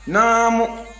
naamu